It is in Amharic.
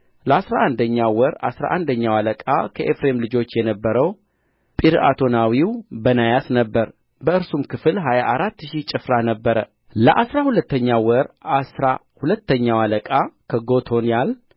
ለአሥራ አንደኛው ወር አሥራ አንደኛው አለቃ ከኤፍሬም ልጆች የነበረው ጲርዓቶናዊው በናያስ ነበረ በእርሱም ክፍል ሀያ አራት ሺህ ጭፍራ ነበረ ለአሥራ ሁለተኛው ወር አሥራ ሁለተኛው አለቃ ከጎቶንያል